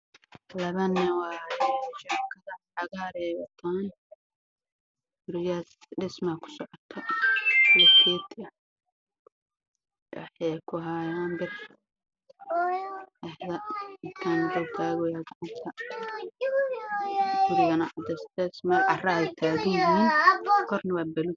Halkaan waxaa ka muuqdo niman injineero ah oo qabo jaakado jaalo iyo koofiyad cadaan ah